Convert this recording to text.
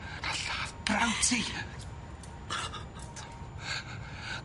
Nath lladd brawd ti.